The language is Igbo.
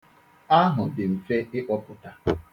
Ahụ dị mfe ịkpọpụta.